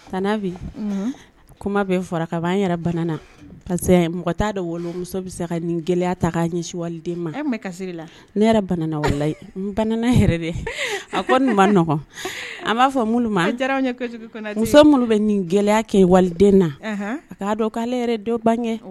Tan bi kuma bɛ fara b an yɛrɛ bana na parce que mɔgɔ ta dɔmuso bɛ se ka nin gɛlɛya ta' ɲɛ waliden ma ne yɛrɛ bana n dɛ a koɔgɔn an b'a fɔ minnu muso minnu bɛ nin gɛlɛya kɛ waliden na a k'a dɔn k'ale yɛrɛ dɔ ban kɛ